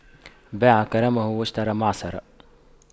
باع كرمه واشترى معصرة